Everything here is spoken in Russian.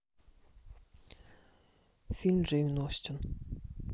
фильм джейн остин